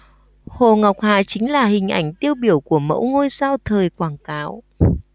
hồ ngọc hà chính là hình ảnh tiêu biểu của mẫu ngôi sao thời quảng cáo